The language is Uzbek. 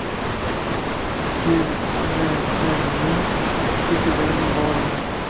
kelmaganning ketidan borma